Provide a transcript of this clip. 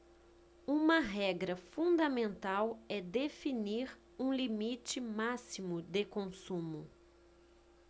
uma regra fundamental é definir um limite máximo de consumo